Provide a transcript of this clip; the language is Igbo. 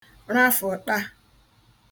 rafụ̀ṭa